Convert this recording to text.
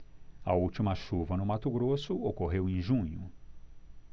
a última chuva no mato grosso ocorreu em junho